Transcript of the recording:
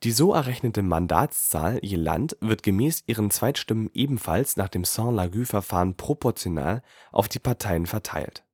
so errechnete Mandatszahl je Land wird gemäß ihren Zweitstimmen ebenfalls nach dem Sainte-Laguë-Verfahren proportional auf die Parteien verteilt